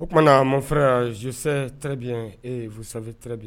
O tumaumana ma fɛ s zokisɛ tbi wuu sanfɛ tbi